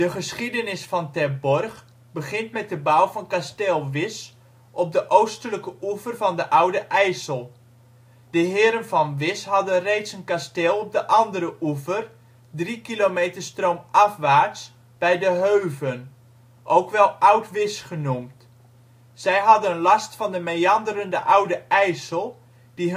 geschiedenis van Terborg begint met de bouw van kasteel Wisch op de oostelijke oever van de Oude IJssel. De heren van Wisch hadden reeds een kasteel op de andere oever, drie kilometer stroomafwaarts bij De Heuven (Etten), ook wel Oud-Wisch genoemd. Zij hadden last van de meanderende Oude IJssel, die